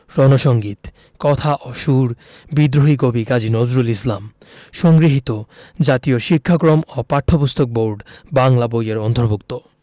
রন সঙ্গীত কথা ও সুর বিদ্রোহী কবি কাজী নজরুল ইসলাম সংগৃহীত জাতীয় শিক্ষাক্রম ও পাঠ্যপুস্তক বোর্ড বাংলা বই এর অন্তর্ভুক্ত